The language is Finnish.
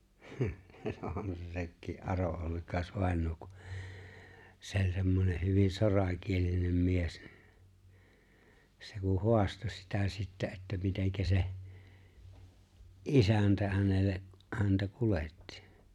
on se sekin Aron Ollikais-vainaja kun se oli semmoinen hyvin sorakielinen mies niin se kun haastoi sitä sitten että miten se isäntä hänelle häntä kuljetti